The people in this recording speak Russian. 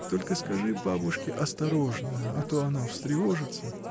Только скажи бабушке осторожно, а то она встревожится.